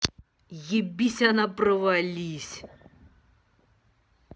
ебись она провались